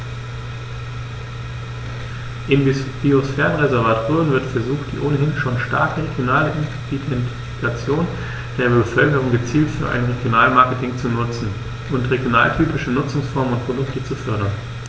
Im Biosphärenreservat Rhön wird versucht, die ohnehin schon starke regionale Identifikation der Bevölkerung gezielt für ein Regionalmarketing zu nutzen und regionaltypische Nutzungsformen und Produkte zu fördern.